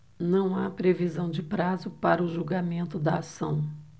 não há previsão de prazo para o julgamento da ação